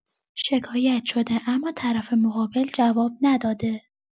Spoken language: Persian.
شکایت شده اما طرف مقابل جواب نداده؛